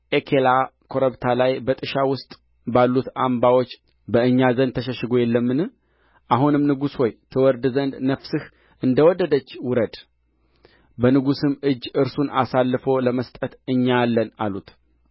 ኤኬላ ኮረብታ ላይ በጥሻ ውስጥ ባሉት አምባዎች በእኛ ዘንድ ተሸሽጎ የለምን አሁንም ንጉሥ ሆይ ትወርድ ዘንድ ነፍስህ እንደ ወደደች ውረድ በንጉሡም እጅ እርሱን አሳልፎ ለመስጠት እኛ አለን አሉት